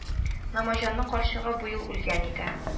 Намаҗанның карчыгы бу ел үлгән иде